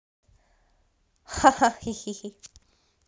хахахихи